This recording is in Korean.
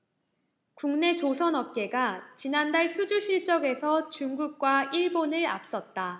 국내 조선업계가 지난달 수주 실적에서 중국과 일본을 앞섰다